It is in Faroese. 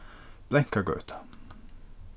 blankagøta